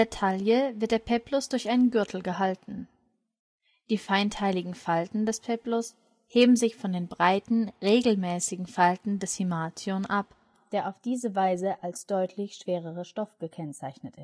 Taille wird der peplos durch einen Gürtel gehalten. Die feinteiligen Falten des peplos heben sich von den breiten, regelmäßigen Falten des himation ab, der auf diese Weise als deutlich schwererer Stoff gekennzeichnet